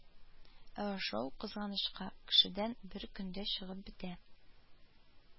Ә ашау, кызганычка, кешедән бер көндә чыгып бетә